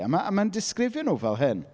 A ma' a mae'n disgrifio nhw fel hyn.